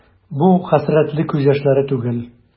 Бу хәсрәтле күз яшьләре түгел.